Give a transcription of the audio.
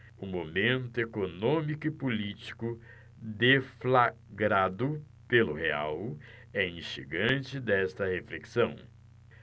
o momento econômico e político deflagrado pelo real é instigante desta reflexão